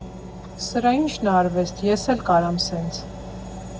Սրա ի՞նչն ա արվեստ, ես էլ կարամ սենց։